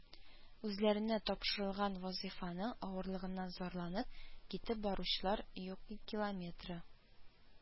Үзләренә тапшырылган вазифаның авырлыгыннан зарланып, китеп баручылар юкилометры